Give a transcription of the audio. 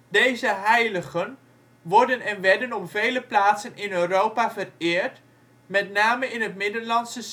Deze heiligen worden en werden op vele plaatsen in Europa vereerd, met name in het Middellandse